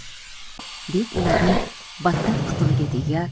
deb ularning battar qitig'iga tegar